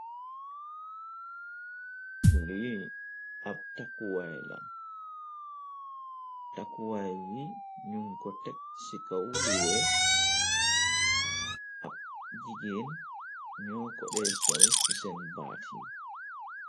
Lii ab takkuwaay la takuwaay yi num ko tek ci kaw lu weex ab jigéen ñoo ko dee sol ci seen baat yi.